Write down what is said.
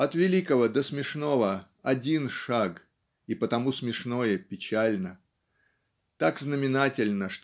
От великого до смешного - один шаг, и потому смешное печально. Так знаменательно